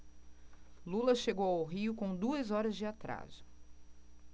lula chegou ao rio com duas horas de atraso